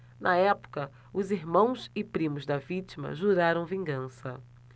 na época os irmãos e primos da vítima juraram vingança